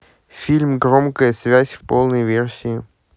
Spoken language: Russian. фильм громкая связь в полной версии